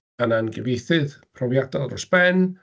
Anna'n gyfeithydd profiadol dros ben.